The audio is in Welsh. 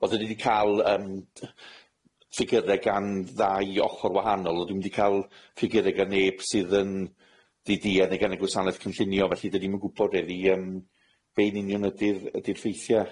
Wel 'dyn ni 'di ca'l yym yy ffigyre gan ddau ochor wahanol, on' dw'm 'di ca'l ffigyre gan neb sydd yn ddiduedd, neu gan y gwasanaeth cynllunio. Felly 'dyn ni'm yn gwbod reli yym be'n union ydi'r ydi'r ffeithie.